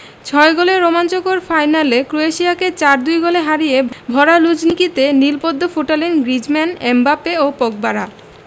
ছয় গোলের রোমাঞ্চকর ফাইনালে ক্রোয়েশিয়াকে ৪ ২ গোলে হারিয়ে ভরা লুঝনিকিতে নীল পদ্ম ফোটালেন গ্রিজমান এমবাপ্পে ও পগবারা